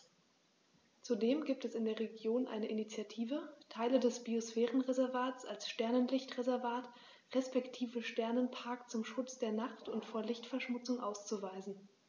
Zudem gibt es in der Region eine Initiative, Teile des Biosphärenreservats als Sternenlicht-Reservat respektive Sternenpark zum Schutz der Nacht und vor Lichtverschmutzung auszuweisen.